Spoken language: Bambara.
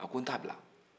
a ko n t'a bila